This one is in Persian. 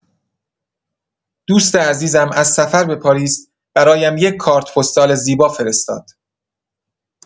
دوست عزیزم از سفر به پاریس برایم یک کارت‌پستال زیبا فرستاد.